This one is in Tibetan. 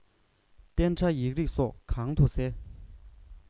གཏན ཁྲ ཡིག རིགས སོགས གང དུ གསལ